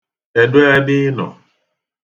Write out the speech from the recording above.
Kedụ ebe ị nọ?